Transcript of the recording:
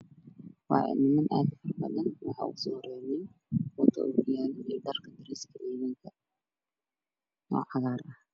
Waa niman badan waxaa ugu soohoreeyo nin wato ookiyaalo iyo dharka darees oo cagaar ah.